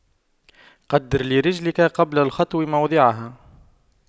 قَدِّرْ لِرِجْلِكَ قبل الخطو موضعها